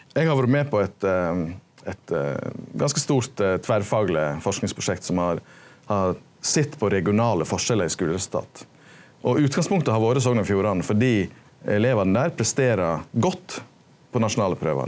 eg har vore med på eit eit ganske stort tverrfagleg forskingsprosjekt som har har sett på regionale forskjellar i skuleresultat og utgangspunktet har vore Sogn og Fjordane fordi elevane der presterer godt på nasjonale prøver.